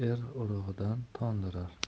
er urug'idan tondirar